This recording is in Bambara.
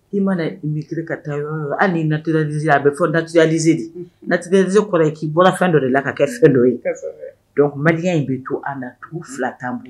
I mana bitiri ka taa yɔrɔ an ni natiya z a bɛ fɔ natya ze nattigɛya ze kɔrɔ ye k'i bɔra fɛn dɔ de la ka kɛ fɛn dɔ ye dɔnc malidenyaya in bɛ to a naugu fila tan bila